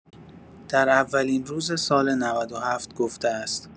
در اولین روز سال ۹۷ گفته است.